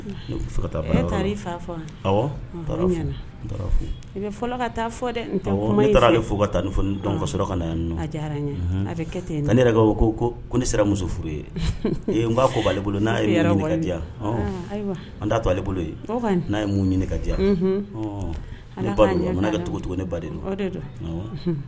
Taa fo ka yan yɛrɛ ko ko ne sera muso furu n'a fɔ b'ale bolo n'a ye diya t' to ale bolo ye n'a ye mun ɲini ka ja cogo cogo ne ba de